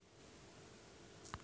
покажи мои фильмы в окко